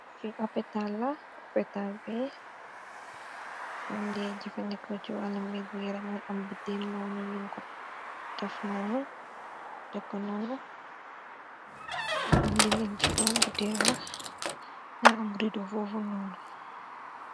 Fii oppital be fundee jëfendeko ci wàllmbir bu yeramna am biddeen noonu ñu ko daf noonu dekko noonu am binden ci kaw budder bax na am rido foofu noonu.